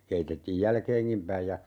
keitettiin jälkeenkin päin ja